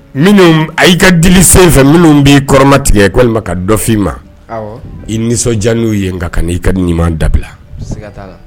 Mimi ,a y'i, i ka dili sen fɛ minnu b'i kɔrɔmatigɛ walima ka dɔ f'i ma, awɔ, i nisɔndiya n'u ye, nka ka n'i ka ɲuman in dabila